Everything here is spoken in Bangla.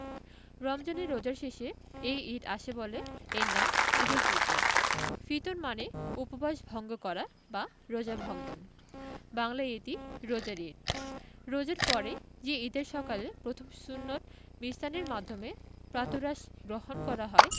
রমজানের রোজার শেষে এই ঈদ আসে বলে এর নাম ঈদুল ফিতর ফিতর মানে উপবাস ভঙ্গ করা বা রোজা ভঙ্গন বাংলায় এটি রোজার ঈদ রোজার পরে যে ঈদের সকালে প্রথম সুন্নত মিষ্টান্নের মাধ্যমে প্রাতরাশ গ্রহণ করা হয়